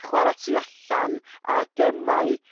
chwara' tu allan a gemau